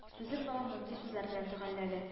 Сүзен бабам момдый сүзләр белән төгәлләде: